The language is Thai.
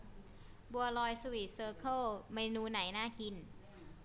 บัวลอยสวีทเซอเคิลเมนูไหนน่ากิน